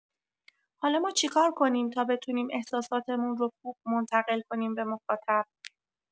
حالا ما چیکار کنیم تا بتونیم احساساتمون رو خوب منتقل کنیم به مخاطب؟